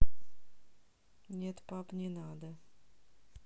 нет пап не надо